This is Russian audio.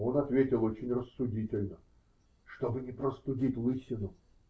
Он ответил очень рассудительно: -- Чтобы не простудить лысину.